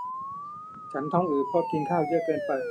ฉันท้องอืดเพราะกินข้าวเยอะเกินไป